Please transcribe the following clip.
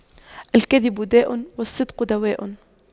الكذب داء والصدق دواء